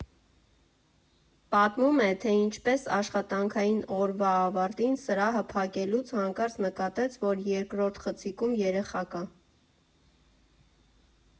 Պատմում է, թե ինչպես աշխատանքային օրվա ավարտին՝ սրահը փակելուց հանկարծ նկատեց, որ երկրորդ խցիկում երեխա կա։